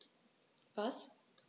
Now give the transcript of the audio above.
Was?